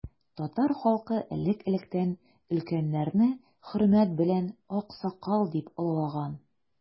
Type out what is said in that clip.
Татар халкы элек-электән өлкәннәрне хөрмәт белән аксакал дип олылаган.